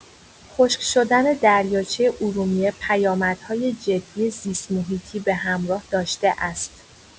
خشک‌شدن دریاچه ارومیه پیامدهای جدی زیست‌محیطی به همراه داشته است.